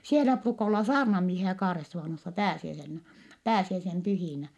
siellä ruukaa olla saarnamiehiä Kaaresuvannossa pääsiäisenä pääsiäisen pyhinä